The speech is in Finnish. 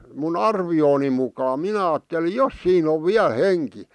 minun arvioni mukaan minä ajattelin jos siinä on vielä henki